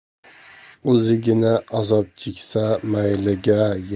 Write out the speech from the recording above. o'zigina azob cheksa mayliga